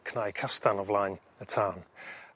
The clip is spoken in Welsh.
cnau castan o flaen y tân.